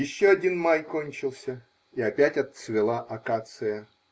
Еще один май кончился, и опять отцвела акация.